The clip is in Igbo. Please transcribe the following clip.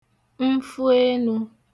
nfụenū